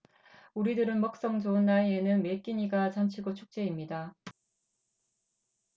우리들처럼 먹성 좋은 나이에는 매 끼니가 잔치고 축제입니다